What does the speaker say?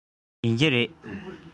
ཡིན གྱི རེད